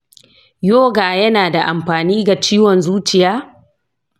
yoga yana da amfani ga ciwon zuciya?